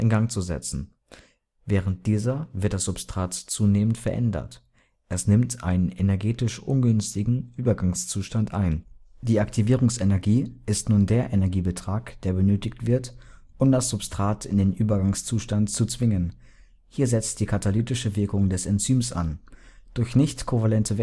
Gang zu setzen. Während dieser wird das Substrat zunehmend verändert, es nimmt einen energetisch ungünstigen Übergangszustand ein. Die Aktivierungsenergie ist nun der Energiebetrag, der benötigt wird, um das Substrat in den Übergangszustand zu zwingen. Hier setzt die katalytische Wirkung des Enzyms an: Durch nicht-kovalente